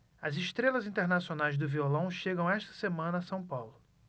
as estrelas internacionais do violão chegam esta semana a são paulo